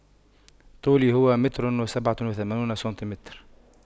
طولي هو متر وسبعة وثمانون سنتيمتر